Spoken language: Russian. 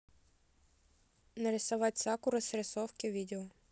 нарисовать сакуры срисовки видео